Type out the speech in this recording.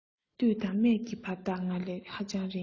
སྟོད དང སྨད ཀྱི བར ཐག ཧ ཅང རིང